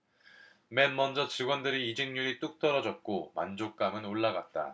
맨먼저 직원들의 이직률이 뚝 떨어졌고 만족감은 올라갔다